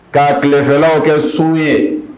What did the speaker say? Ka kilefɛlaw kɛ su ye.